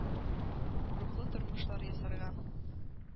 Рухлы тормышлар ясарга